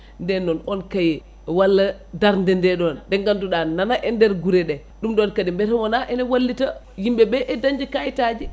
nden noon on cahier walla darde ndeɗon nde ganduɗa nana e nder guure ɗe ɗum ɗon kadi beete wona ene wallita yimɓeɓe e dañde kayitaji